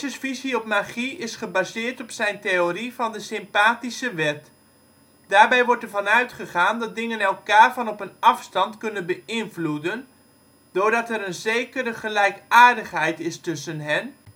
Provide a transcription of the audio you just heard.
visie op magie is gebaseerd op zijn theorie van de ' Sympathische Wet ". Daarbij wordt er van uitgegaan dat dingen elkaar vanop een afstand kunnen beïnvloeden doordat 1) er een zekere gelijkaardigheid is tussen hen